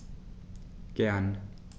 Gern.